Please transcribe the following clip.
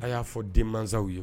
A y'a fɔ denmansaw ye